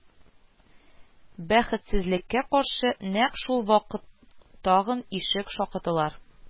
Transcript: Бәхетсезлеккә каршы, нәкъ шул вакыт тагын ишек шакыдылар